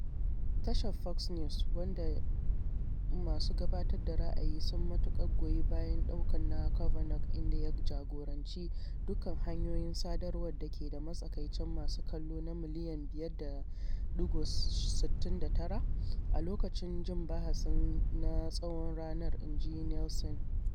Tashar Fox News, wadda masu gabatar da ra’ayi sun matukar goyi bayan ɗaukan na Kavanaugh, inda ya jagoranci dukkan hanyoyin sadarwa da ke da matsakaicin masu kallo miliyan 5.69 a lokacin jin bahasin na tsawon ranar, inji Nielsen.